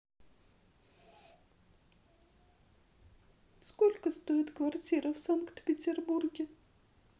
сколько стоит квартира в санкт петербурге